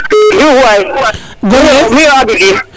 Diouf waay miyo miyo mi Abidin